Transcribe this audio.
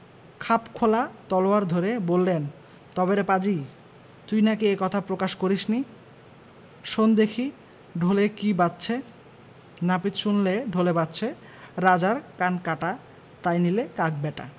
খাপ খোলা তলোয়ার ধরে বললেন– তবে রে পাজি তুই নাকি এ কথা প্রকাশ করিসনি শোন দেখি ঢোলে কী বাজছে নাপিত শুনলে ঢোলে বাজছে ‘রাজার কান কাটা তাই নিলে কাক ব্যাটা